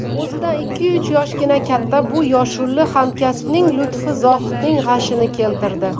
o'zidan ikki uch yoshgina katta bu yoshulli hamkasb ning lutfi zohidning g'ashini keltirdi